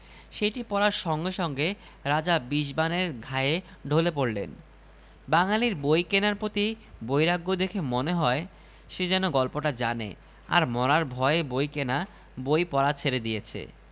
সেইটে পড়ার সঙ্গে সঙ্গে রাজা বিষবাণের ঘায়ে ঢলে পড়লেন বাঙালীর বই কেনার প্রতি বৈরাগ্য দেখে মনে হয় সে যেন গল্পটা জানে আর মরার ভয়ে বই কেনা বই পড়া ছেড়ে দিয়েছে